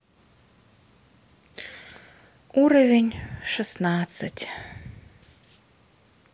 уровень шестнадцать